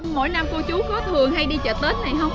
mỗi năm cô chú có thường hay đi chợ tết này hông